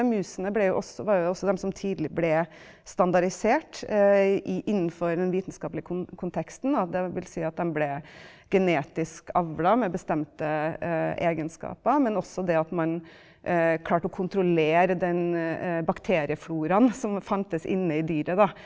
musene ble jo også var jo også dem som tidlig ble standardisert innenfor den vitenskapelige konteksten av dvs. at dem ble genetisk avla med bestemte egenskaper, men også det at man klarte å kontrollere den bakteriefloraen som fantes inne i dyret da.